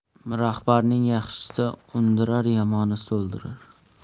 rahbarning yaxshisi undirar yomoni so'ldirar